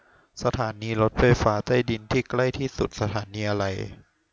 สถานีรถไฟฟ้าใต้ดินที่ใกล้ที่สุดสถานีอะไร